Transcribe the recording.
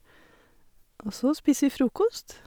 Og så spiser vi frokost.